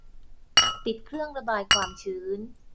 ปิดเครื่องระบายความชื้น